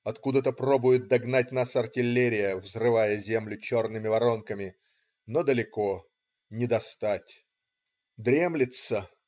Откуда-то пробует догнать нас артиллерия, взрывая землю черными воронками, но далеко, не достать. Дремлется.